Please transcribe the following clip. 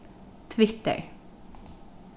twitter